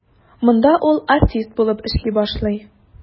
Монда ул артист булып эшли башлый.